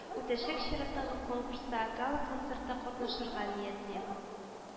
Үтәчәк чираттагы конкурста, гала-концертта катнашырга ниятлим